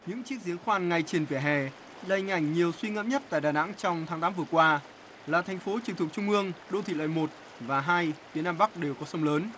những chiếc giếng khoan ngay trên vỉa hè là ảnh nhiều suy ngẫm nhất tại đà nẵng trong tháng tám vừa qua là thành phố trực thuộc trung ương đô thị loại một và hai phía nam bắc đều có sông lớn